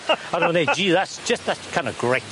A o'n nw'n ddeud gee that's just that's kind of great.